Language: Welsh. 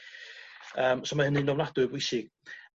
Yym so ma' hynny'n ofnadwy o bwysig